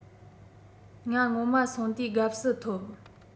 ང སྔོན མ སོང དུས དགའ བསུ ཐོབ